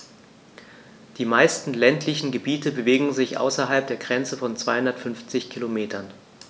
Die meisten ländlichen Gebiete bewegen sich außerhalb der Grenze von 250 Kilometern.